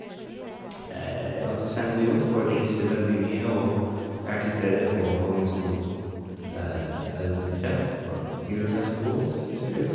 Ganske spennende jobb, får reise veldig mye og være til stede på mange sånn øltreff, or beer festivals, hvis du vil.